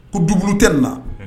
Ko double tɛ nin na